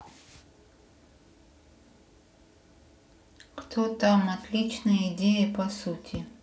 кто там отличная идея по сути